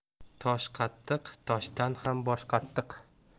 tosh qattiq toshdan ham bosh qattiq